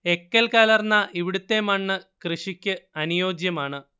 എക്കൽ കലർന്ന ഇവിടത്തെമണ്ണ് കൃഷിക്ക് അനുയോജ്യമാണ്